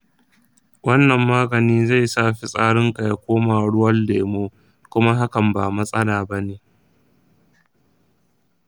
wannan magani zai sa fitsarinka ya koma ruwan lemu, kuma hakan ba matsala bane.